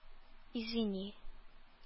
Извини